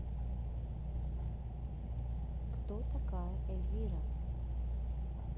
кто такая эльвира